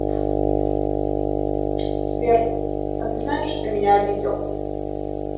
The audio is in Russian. сбер а знаешь что ты меня обидел